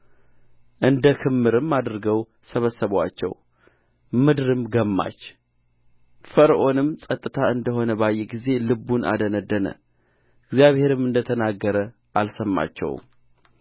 እንደ ክምርም አድርገው ሰበሰቡአቸው ምድርም ገማች ፈርዖንም ጸጥታ እንደሆነ ባየ ጊዜ ልቡን አደነደነ እግዚአብሔርም እንደተናገረ አልሰማቸውም